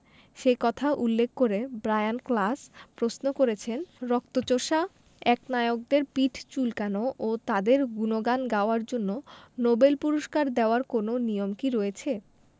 সে কথা উল্লেখ করে ব্রায়ান ক্লাস প্রশ্ন করেছেন রক্তচোষা একনায়কদের পিঠ চুলকানো ও তাঁদের গুণগান গাওয়ার জন্য নোবেল পুরস্কার দেওয়ার কোনো নিয়ম কি রয়েছে